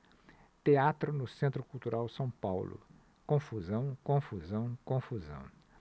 teatro no centro cultural são paulo confusão confusão confusão